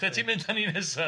Lle ti'n mynd â ni nesa'?